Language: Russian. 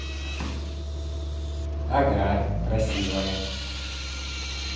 ага красивая